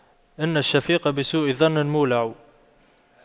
إن الشفيق بسوء ظن مولع